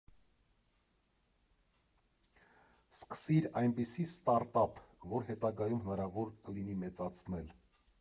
Սկսիր այնպիսի ստարտափ, որը հետագայում հնարավոր կլինի մեծացնել։